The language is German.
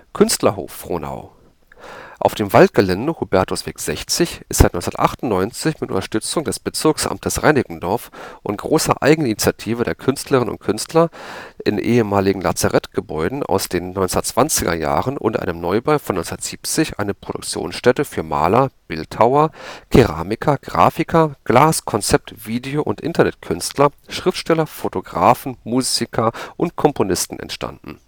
Künstlerhof Frohnau Auf dem Waldgelände Hubertusweg 60 ist seit 1998 mit Unterstützung des Bezirksamtes Reinickendorf und großer Eigeninitiative der Künstlerinnen und Künstler in ehemaligen Lazarettgebäuden aus den 1920er-Jahren und einem Neubau von 1970 eine Produktionsstätte für Maler, Bildhauer, Keramiker, Grafiker, Glas -, Konzept -, Video -, und Internet-Künstler, Schriftsteller, Fotografen, Musiker und Komponisten entstanden